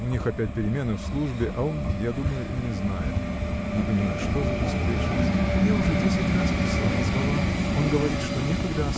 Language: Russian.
У них опять перемены в службе, а он, я думаю, и не знает. Не понимаю, что за беспечность. – Я уж десять раз писала, звала. Он говорит что некогда